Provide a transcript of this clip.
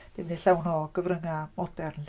Defnydd llawn o gyfryngau modern 'lly.